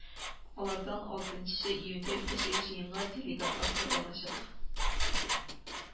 Алардан алтынчы июньдә үтәчәк җыенга делегатлар сайланачак